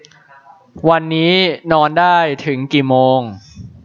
วันนี้นอนได้ถึงกี่โมง